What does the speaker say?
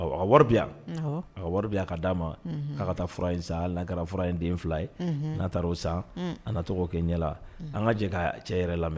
Wari a wariya k ka d dia ma k'a ka taa fura san lakaraf fura in den fila ye n'a taara'o san an tɔgɔ kɛ ɲɛla an ka jɛ k' cɛ yɛrɛ lamɛn